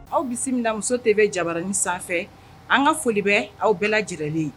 Aw bisimila mina muso de bɛ jaranin sanfɛ an ka foli bɛ aw bɛɛ lajɛlenlen ye